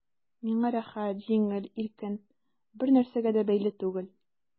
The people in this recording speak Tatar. Миңа рәхәт, җиңел, иркен, бернәрсәгә дә бәйле түгел...